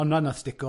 Honna nath stico.